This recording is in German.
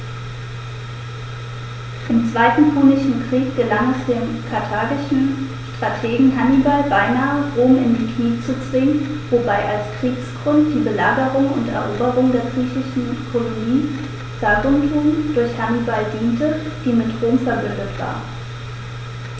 Im Zweiten Punischen Krieg gelang es dem karthagischen Strategen Hannibal beinahe, Rom in die Knie zu zwingen, wobei als Kriegsgrund die Belagerung und Eroberung der griechischen Kolonie Saguntum durch Hannibal diente, die mit Rom „verbündet“ war.